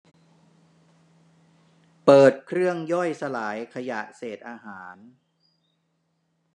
เปิดเครื่องย่อยสลายขยะเศษอาหาร